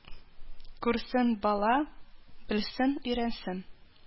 Күрсен бала, белсен, өйрәнсен